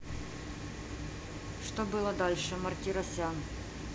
что было дальше мартиросян